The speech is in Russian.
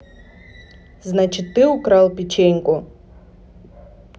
значит ты украл печеньку